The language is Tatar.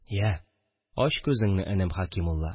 – я, ач күзеңне, энем хәкимулла